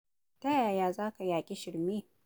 Ta yaya za ka yaƙi shirme?